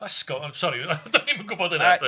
'Asgob, sori, do'n i'm yn gwybod hynna reit.